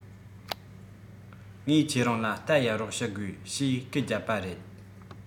ངས ཁྱེད རང ལ རྟ གཡར རོགས ཞུ དགོས ཞེས སྐད རྒྱབ པ རེད